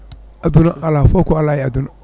aduna ala fo ko ala e aduna